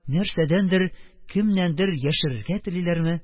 Нәрсәдәндер, кемнәндер яшерергә телиләрме?